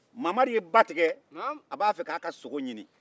mamari ye ba tigɛ a b'a fɛ k'a ka sogo ɲinin